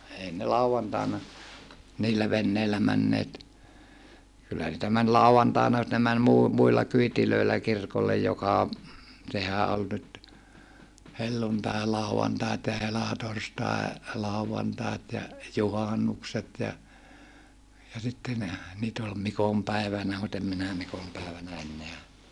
ei ne lauantaina niillä veneillä menneet kyllä niitä meni lauantaina mutta ne meni - muilla kyydeillä kirkolle joka sehän oli nyt helluntailauantai ja - helatorstailauantait ja juhannukset ja ja sitten ne niitä oli mikonpäivänä mutta en minä mikonpäivänä enää